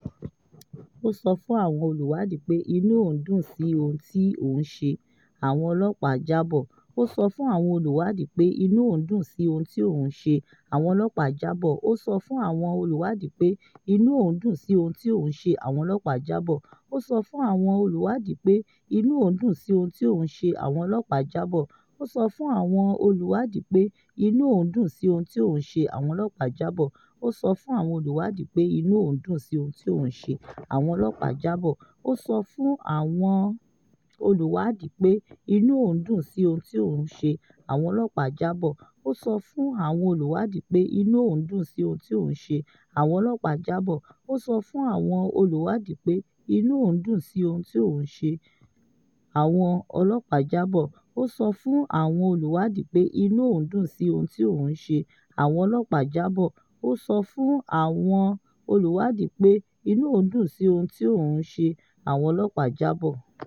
Ó sọ fún àwọn olùwádì pé inú òun dùn sí ohun tí òun ṣe, àwọn ọlọ́pàá jábọ̀.